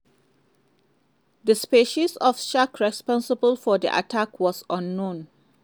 The species of shark responsible for the attack was unknown.